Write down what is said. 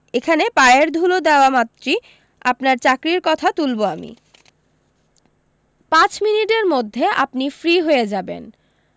এখানে পায়ের ধুলো দেওয়া মাত্রি আপনার চাকরীর কথা তুলবো আমি পাঁচ মিনিটের মধ্যে আপনি ফ্রি হয়ে যাবেন